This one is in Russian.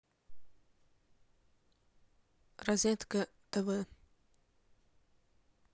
розетка тв